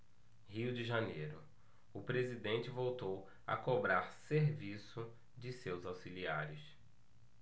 rio de janeiro o presidente voltou a cobrar serviço de seus auxiliares